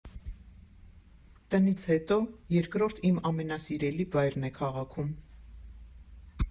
Տնից հետո երկրորդ իմ ամենասիրելի վայրն է քաղաքում։